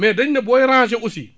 mais dañ ne booy rangé aussi